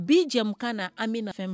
Bi jɛmukan na an bi na fɛn min